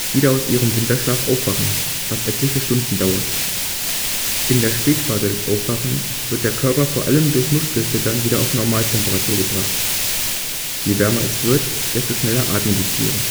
wieder aus ihrem Winterschlaf aufwachen, was etliche Stunden dauert. In der Spätphase des Aufwachens wird der Körper vor allem durch Muskelzittern wieder auf Normaltemperatur gebracht. Je wärmer es wird, desto schneller atmen die Tiere